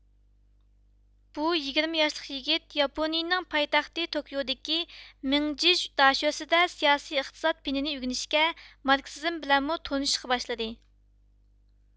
بۇ يىگىرمە ياشلىق يىگىت ياپونىيىنىڭ پايتەختى توكيودىكى مىڭجىژ داشۆسىدە سىياسىي ئىقتىساد پېنىنى ئۆگىنىشكە ماركسىزم بىلەنمۇ تونۇشۇشقا باشلىدى